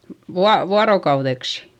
- vuorokaudeksi